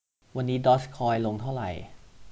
วันนี้ดอร์จคอยลงเท่าไหร่